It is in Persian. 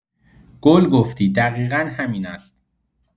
گل گفتی، دقیقا همین است.